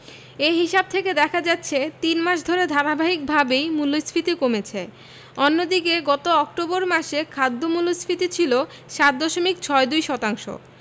এ হিসাব থেকে দেখা যাচ্ছে তিন মাস ধরে ধারাবাহিকভাবেই মূল্যস্ফীতি কমেছে অন্যদিকে গত অক্টোবর মাসে খাদ্য মূল্যস্ফীতি ছিল ৭ দশমিক ৬২ শতাংশ